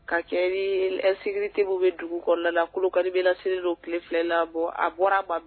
Ka kɛ te bɛ dugu kɔnɔ la la kari bɛ lasiridon tile filɛ labɔ a bɔra ba